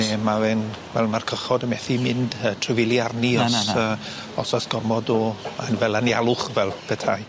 Ne' ma' fe'n wel ma'r cychod yn methu mynd yy trafeili arni... Na na na. ...os yy os o's gormod o yn fel anialwch fel petai.